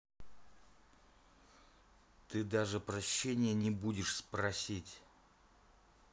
ты даже прощения не будешь спросить